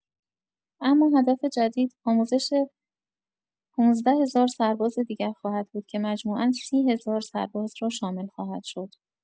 اما هدف جدید، آموزش ۱۵۰۰۰ سرباز دیگر خواهد بود که مجموعا ۳۰ هزار سرباز را شامل خواهد شد.